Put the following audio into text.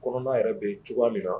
Kɔnɔna yɛrɛ bɛ cogoya min